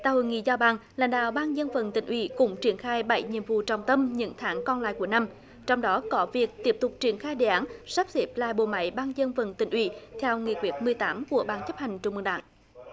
tại hội nghị giao ban lãnh đạo ban dân vận tỉnh ủy cũng triển khai bảy nhiệm vụ trọng tâm những tháng còn lại của năm trong đó có việc tiếp tục triển khai đề án sắp xếp lại bộ máy ban dân vận tỉnh ủy theo nghị quyết mười tám của ban chấp hành trung ương đảng